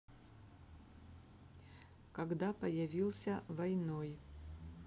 когда появился войной